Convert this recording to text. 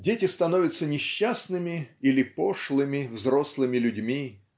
Дети становятся несчастными или пошлыми взрослыми людьми.